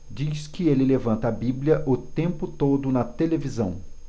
diz que ele levanta a bíblia o tempo todo na televisão